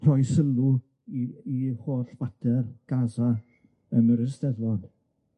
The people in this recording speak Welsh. rhoi sylw i i holl fater Gaza yn yr Eisteddfod,